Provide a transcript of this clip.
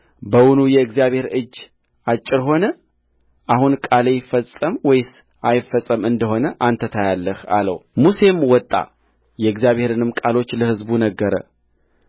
በውኑ የእግዚአብሔር እጅ አጭር ሆነ አሁን ቃሌ ይፈጸም ወይስ አይፈጸም እንደ ሆነ አንተ ታያለህ አለውሙሴም ወጣ የእግዚአብሔርንም ቃሎች ለሕዝቡ ነገረ